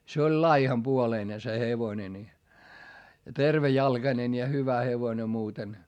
se oli laihanpuoleinen se hevonen niin ja tervejalkainen ja hyvä hevonen muuten